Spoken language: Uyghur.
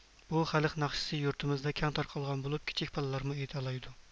دۇنيادىكى ئەڭ قورقۇنچلۇق سۆز دەل نامراتلىق مۇقەررەرلىك دېگەنگە ئىشىنىشتۇر